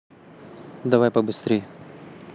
давай побыстрее